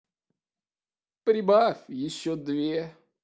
прибавь еще две